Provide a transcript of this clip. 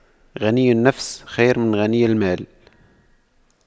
غنى النفس خير من غنى المال